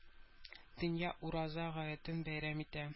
Дөнья Ураза гаетен бәйрәм итә